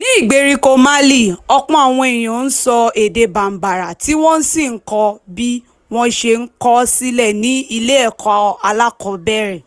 Ní ìgbèríko Mali, ọ̀pọ̀ àwọn èèyàn ń sọ èdè Bambara tí wọ́n sì kọ́ bí wọ́n ṣe ń kọọ́ sílẹ̀ ní ilé-ẹ̀kọ́ alákọ̀ọ́bẹ̀rẹ̀.